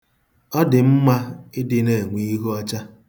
Ọ dị mma ịdị na-enwe ihu ọcha.